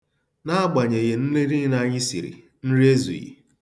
N'agbanyeghi nri niile anyị siri, nri ezughi.